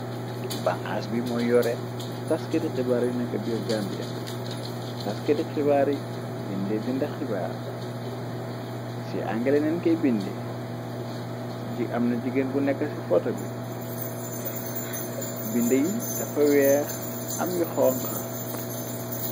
Banxaas bi mooy yore taskati xibaar yu nekk biir Gambiya, taskati xibaar yu dinde binda xibaar, ci angaleneenke binde, amna jigéengu nekk ci foto, bi binde yi dafa weex, am yu xonxa.